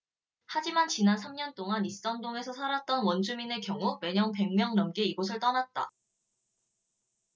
하지만 지난 삼 년동안 익선동에서 살았던 원주민의 경우 매년 백 명 넘게 이곳을 떠났다